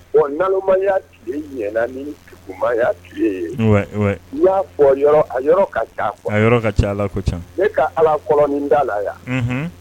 Ɔ nanmaya tile ɲ nimaya tile ye i y'a fɔ a ka taa a yɔrɔ ka ca ala ca ne ka ala fɔlɔlɔn min da la yan